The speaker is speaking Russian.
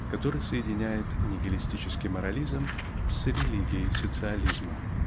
который соединяет нигилистический морализм с религией социализма.